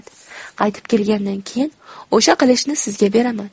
qaytib kelgandan keyin o'sha qilichni sizga beraman